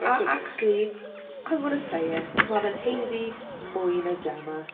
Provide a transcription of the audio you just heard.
A... definetly ...acshyli I'm going to say it ma' fe'n... go on ...haeddu mwy na Gemma.